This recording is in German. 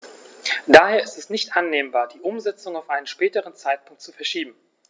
Daher ist es nicht annehmbar, die Umsetzung auf einen späteren Zeitpunkt zu verschieben.